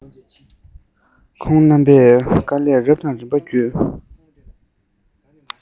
ཁོང རྣམ པས དཀའ ལས རབ དང རིམ པ བརྒྱུད